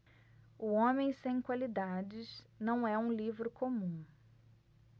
o homem sem qualidades não é um livro comum